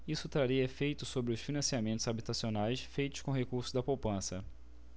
isso traria efeitos sobre os financiamentos habitacionais feitos com recursos da poupança